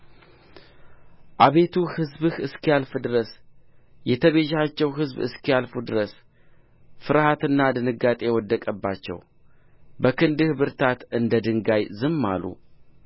አቤቱ ሕዝብህ እስኪያልፍ ድረስ የተቤዠኸው ሕዝብ እስኪያልፍ ድረስ ፍርሃትና ድንጋጤ ወደቀባቸው በክንድህ ብርታት እንደ ድንጋይ ዝም አሉ